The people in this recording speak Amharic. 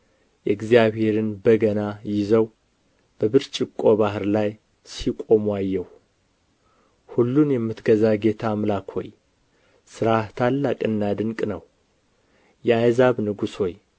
የእግዚአብሔርን በገና ይዘው በብርጭቆ ባሕር ላይ ሲቆሙ አየሁ ሁሉን የምትገዛ ጌታ አምላክ ሆይ ሥራህ ታላቅና ድንቅ ነው የአሕዛብ ንጉሥ ሆይ